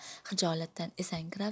hijolatdan esankirab